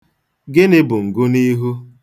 Gịnị bụ ngụniihu?